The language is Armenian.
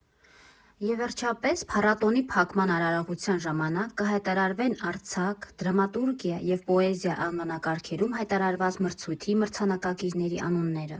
Եվ վերջապես, փառատոնի փակման արարողության ժամանակ կհայտարարվեն «արձակ», «դրամատուրգիա» և «պոեզիա» անվանակարգերում հայտարարված մրցույթի մրցանակակիրների անունները։